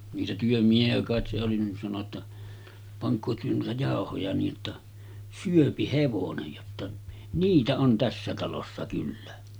niitä työmiehiä kai se oli niin sanoi jotta pankaa te noita jauhoja niin jotta syö hevonen jotta niitä on tässä talossa kyllä